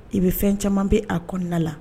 IB fɛn caman be a kɔɔna la